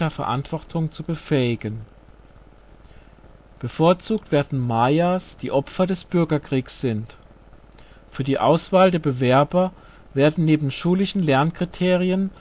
Verantwortung zu befähigen. Bevorzugt werden Mayas, die Opfer des Bürgerkriegs sind. Für die Auswahl der Bewerber werden neben schulischen Lernkriterien